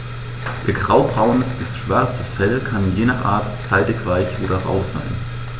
Ihr graubraunes bis schwarzes Fell kann je nach Art seidig-weich oder rau sein.